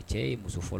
A cɛ ye muso fɔlɔ